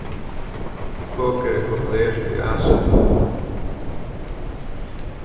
poker er populert í asia